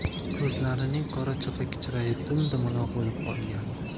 ko'zlarining qorachig'i kichrayib dum dumaloq bo'lib qolgandi